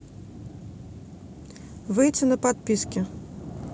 выйти на подписки